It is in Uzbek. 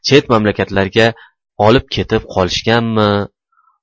chet mamlakatlarga olib ketib qolishganmi